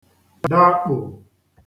dakpò